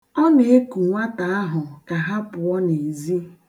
Ọ na-eku nwata ahụ ka ha pụọ n'ezi.